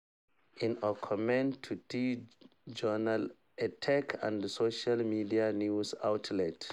In a comment to TJournal, a tech and social media news outlet.